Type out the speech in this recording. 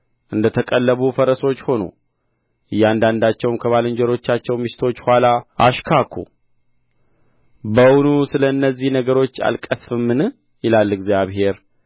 እንደ ተቀለቡ ፈረሶች ሆኑ እያንዳንዳቸውም ከባልንጀሮቻቸው ሚስቶች ኋላ አሽካኩ በውኑ ስለ እነዚህ ነገሮች አልቀሥፍምን ይላል እግዚአብሔር